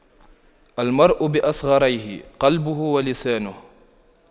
المرء بأصغريه قلبه ولسانه